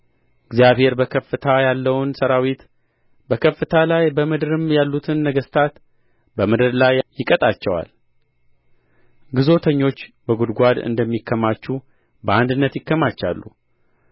እግዚአብሔር በከፍታ ያለውን ሠራዊት በከፍታ ላይ በምድርም ያሉትን ነገሥታት በምድር ላይ ይቀጣቸዋል ግዞተኞች በጕድጓድ እንደሚከማቹ በአንድነት ይከማቻሉ